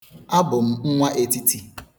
Abụ m nwa etiti.